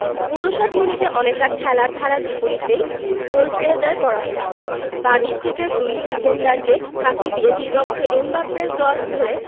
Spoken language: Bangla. ৫৯ মিনিটে অনেকটা খেলার ধারার বিপরীতেই গোল পেয়ে যায় ফরাসিরা বাঁ দিক থেকে দুই ডিফেন্ডারকে ফাঁকি দিয়ে ডি বক্সে এমবাপ্পের ক্রস ধরে